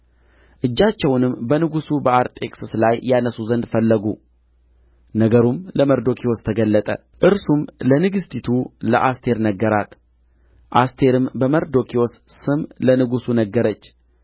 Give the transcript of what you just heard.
እጃቸውንም በንጉሡ በአርጤክስስ ላይ ያነሡ ዘንድ ፈለጉ ነገሩም ለመርዶክዮስ ተገለጠ እርሱም ለንግሥቲቱ ለአስቴር ነገራት አስቴርም በመርዶክዮስ ስም ለንጉሡ ነገረች